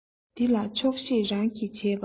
འདི ལ ཆོག ཤེས རང གིས བྱས པ དགའ